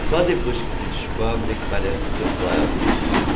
só depois que se descobre é que parece ser claro